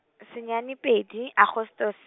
senyane pedi Agostose.